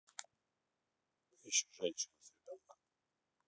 ищу женщину с ребенком